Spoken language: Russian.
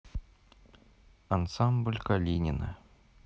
ансамбль калина